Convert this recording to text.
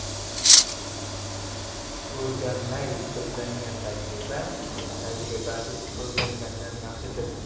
o'rganmay to'plangan tajriba tajribasiz o'rgangandan yaxshidir